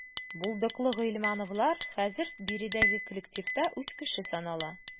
Булдыклы гыйльмановлар хәзер биредәге коллективта үз кеше санала.